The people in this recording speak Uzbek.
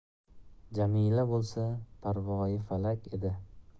jamila bo'lsa parvoyifalak edi